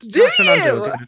Do you?!